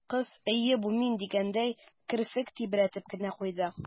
Кыз, «әйе, бу мин» дигәндәй, керфек тибрәтеп кенә куйды.